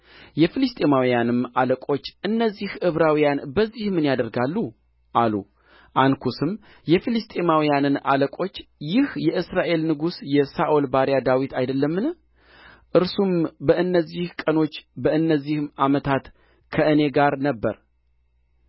የፍልስጥኤማውያንም አለቆች እነዚህ ዕብራውያን በዚህ ምን ያደርጋሉ አሉ አንኩስም የፍልስጥኤማውያንን አለቆች ይህ የእስራኤል ንጉሥ የሳኦል ባሪያ ዳዊት አይደለምን እርሱም በእነዚህ ቀኖች በእነዚህ ዓመታት ከእኔ ጋር ነበረ